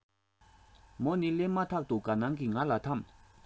མོ ནི སླེབ མ ཐག ཏུ དགའ སྣང གི ང ལ ཐམས